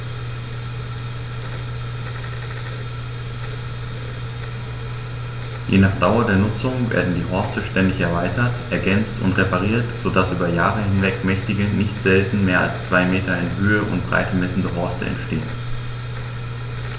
Je nach Dauer der Nutzung werden die Horste ständig erweitert, ergänzt und repariert, so dass über Jahre hinweg mächtige, nicht selten mehr als zwei Meter in Höhe und Breite messende Horste entstehen.